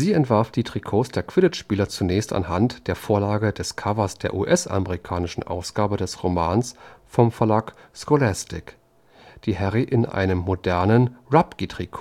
entwarf die Trikots der Quidditch-Spieler zunächst anhand der Vorlage des Covers der US-amerikanischen Ausgabe des Romans vom Verlag Scholastic, die Harry in einem modernen Rugbytrikot